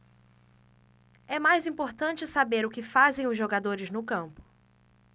é mais importante saber o que fazem os jogadores no campo